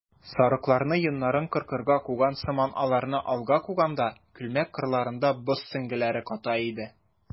Сарыкларны йоннарын кыркырга куган сыман аларны алга куганда, күлмәк кырларында боз сөңгеләре ката иде.